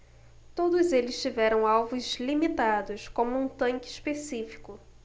todos eles tiveram alvos limitados como um tanque específico